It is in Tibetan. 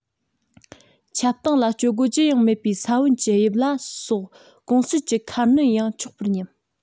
ཁྱབ སྟངས ལ སྤྱོད སྒོ ཅི ཡང མེད པའི ས བོན གྱི དབྱིབས ལ སོགས གོང གསལ གྱི ཁ བསྣན ཡང ཆོག པར སྙམ